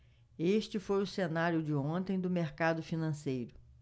este foi o cenário de ontem do mercado financeiro